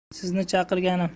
sizni chaqirganim